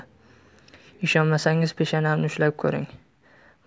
ishonmasangiz peshanamni ushlab ko'ring